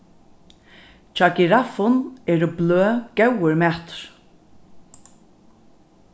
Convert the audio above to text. hjá giraffum eru bløð góður matur